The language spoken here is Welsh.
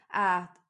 a